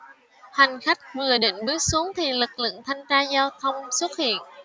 hành khách vừa định bước xuống thì lực lượng thanh tra giao thông xuất hiện